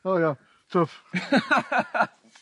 O ia. Twff.